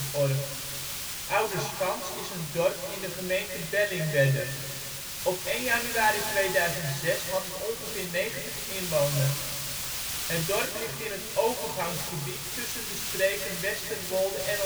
Olscha (a) nze) is een dorp in de gemeente Bellingwedde. Op 1 januari 2006 had het ongeveer 90 inwoners. Het dorp ligt in het overgangsgebied tussen de streken Westerwolde en